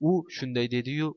u shunday dedi yu